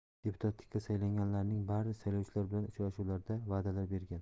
deputatlikka saylanganlarning bari saylovchilar bilan uchrashuvlarda va'dalar bergan